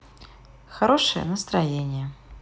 хорошее настроение